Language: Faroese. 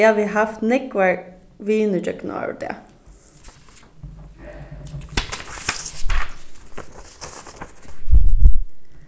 eg havi havt nógvar vinir gjøgnum ár og dag